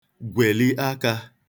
gwèli aka